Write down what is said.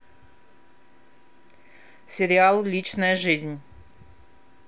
сериал личная жизнь